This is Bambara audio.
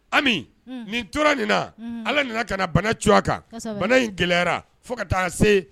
Ami nin tora nana ala nana ka bana cogoya a kan bana in gɛlɛyara fo ka taa se